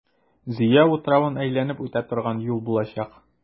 Зөя утравын әйләнеп үтә торган юл булачак.